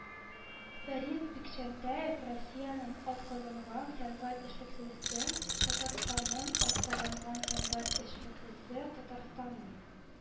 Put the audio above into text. Фәрит Бикчәнтәев - Россиянең атказанган сәнгать эшлеклесе , Татарстанның атказанган сәнгать эшлеклесе, Татарстанның